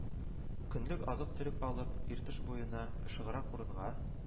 Көнлек азык-төлек алып, иртыш буена, ышыграк урынга